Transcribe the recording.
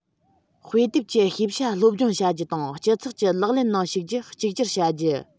དཔེ དེབ ཀྱི ཤེས བྱ སློབ སྦྱོང བྱ རྒྱུ དང སྤྱི ཚོགས ཀྱི ལག ལེན ནང ཞུགས རྒྱུ གཅིག གྱུར བྱ རྒྱུ